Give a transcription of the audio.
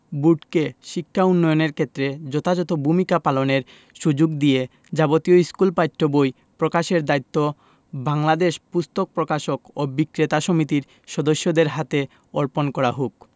বোর্ডকে শিক্ষা উন্নয়নের ক্ষেত্রে যথাযথ ভূমিকা পালনের সুযোগ দিয়ে যাবতীয় স্কুল পাঠ্য বই প্রকাশের দায়িত্ব বাংলাদেশ পুস্তক প্রকাশক ও বিক্রেতা সমিতির সদস্যদের হাতে অর্পণ করা হোক